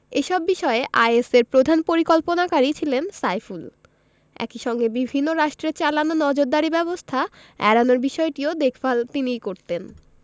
এসব বিষয়ে আইএসের প্রধান পরিকল্পনাকারী ছিলেন সাইফুল একই সঙ্গে বিভিন্ন রাষ্ট্রের চালানো নজরদারি ব্যবস্থা এড়ানোর বিষয়টিও দেখভাল তিনিই করতেন